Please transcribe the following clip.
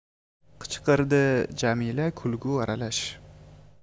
qichqirdi jamila kulgi aralash